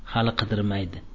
xali qidirmaydi